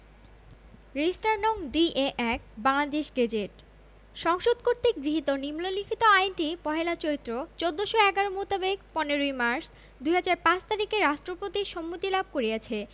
registered নং D A ১ Bangladesh gazette সংসদ কর্তৃক গৃহীত নিম্নলিখিত আইনটি ১লা চৈত্র ১৪১১ মোতাবেক ১৫ই মার্চ ২০০৫ তারিখে রাষ্ট্রপতির সম্মতি লাভ করিয়াছে